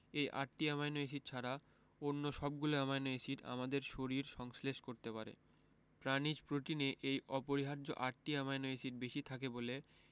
এই আটটি amino acid ছাড়া অন্য সবগুলো অ্যামাইনো এসিড আমাদের শরীর সংশ্লেষ করতে পারে প্রাণিজ প্রোটিনে এই অপরিহার্য আটটি অ্যামাইনো এসিড বেশি থাকে বলে